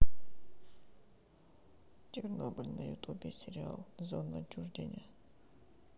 чернобыль на ютубе сериал зона отчуждения